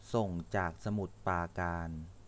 ส่งจากสมุทรปราการ